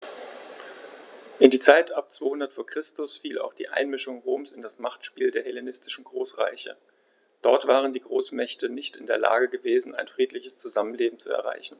In die Zeit ab 200 v. Chr. fiel auch die Einmischung Roms in das Machtspiel der hellenistischen Großreiche: Dort waren die Großmächte nicht in der Lage gewesen, ein friedliches Zusammenleben zu erreichen.